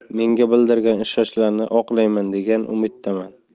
menga bildirgan ishonchlarini oqlayman degan umiddaman